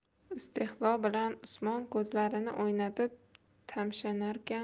istehzo bilan usmon ko'zlarini o'ynatib tamshanarkan